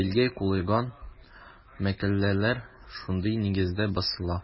Билге куелган мәкаләләр шундый нигездә басыла.